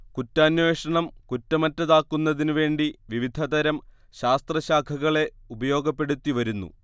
കുറ്റാന്വേഷണം കുറ്റമറ്റതാക്കുന്നതിന് വേണ്ടി വിവിധതരം ശാസ്ത്രശാഖകളെ ഉപയോഗപ്പെടുത്തിവരുന്നു